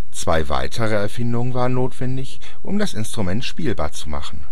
Zwei weitere Erfindungen waren notwendig, um das Instrument spielbar zu machen